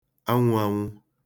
anwụ̄ānwụ̄